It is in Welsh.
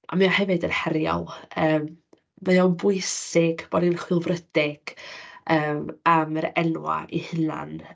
A mae o hefyd yn heriol, yym mae o'n bwysig bod ni'n chwilfrydig yym am yr enwau eu hunain.